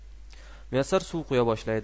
muyassar suv quya boshlaydi